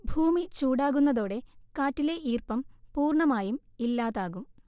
ഭൂമി ചുടാകുന്നതോടെ കാറ്റിലെ ഈർപ്പം പൂർണമായും ഇല്ലാതാകും